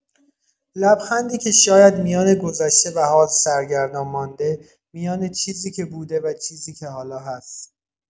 لبخندی که شاید میان گذشته و حال سرگردان مانده، میان چیزی که بوده و چیزی که حالا هست.